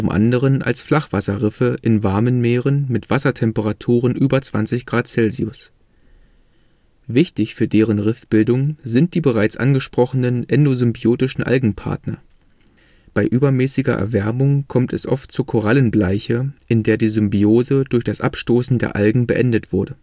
anderen als Flachwasserriffe in warmen Meeren mit Wassertemperaturen über 20 °C. Wichtig für deren Riffbildung sind die bereits angesprochenen endosymbiotischen Algenpartner. Bei übermäßiger Erwärmung kommt es oft zur Korallenbleiche in der die Symbiose durch das Abstoßen der Algen beendet wurde